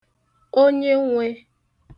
onyenwē